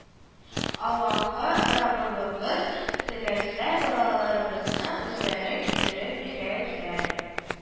Аллаһы раббыбыбыз теләсә балаларыбызны үзләре китереп бирерләр